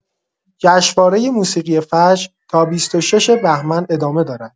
جشنواره موسیقی فجر تا ۲۶ بهمن ادامه دارد.